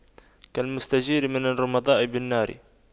كالمستجير من الرمضاء بالنار